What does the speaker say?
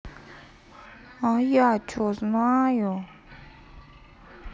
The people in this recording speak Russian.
а я че знаю